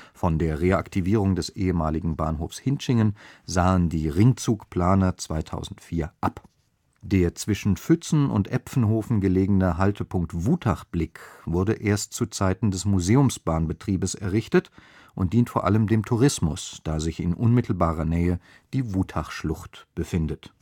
Von der Reaktivierung des ehemaligen Bahnhofs Hintschingen sahen die Ringzug-Planer 2004 ab. Der zwischen Fützen und Epfenhofen gelegene Haltepunkt Wutachblick wurde erst zu Zeiten des Museumsbahnbetriebs errichtet und dient vor allem dem Tourismus, da sich in unmittelbarer Nähe die Wutachschlucht befindet